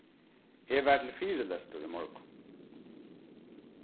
eg var til fyrilestur í morgun